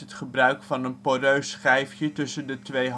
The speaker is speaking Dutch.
gebruik van een poreus schijfje tussen de twee